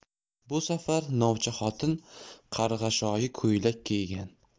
bu safar novcha xotin qarg'ashoyi ko'ylak kiygan